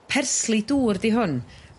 Persly dŵr 'di hwn.